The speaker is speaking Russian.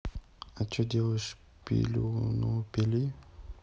а че делаешь пилю ну пили